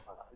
voilà